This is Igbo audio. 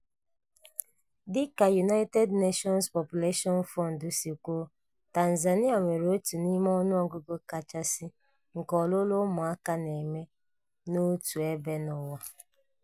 Dị ka United Nations Population Fund (UNFPA) si kwuo, Tanzania nwere otu n'ime ọnụọgụgụ kachasị nke ọlụlụ ụmụaka na-eme n'otu ebe n'ụwa.